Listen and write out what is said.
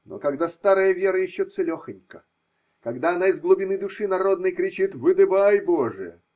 Но когда старая вера еще целехонька, когда она из глубины души народной кричит выдыбай, боже!